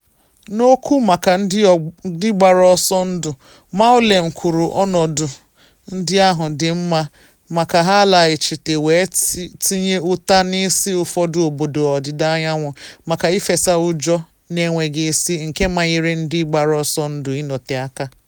N’okwu maka ndị gbara ọsọ ndụ, Moualem kwuru ọnọdụ ndị ahụ dị mma maka ha ịlaghachite, wee tinye ụta n’isi “ụfọdụ obodo ọdịda anyanwụ” maka “ịfesa ụjọ na enweghị isi” nke manyere ndị gbara ọsọ ndụ ịnọte aka.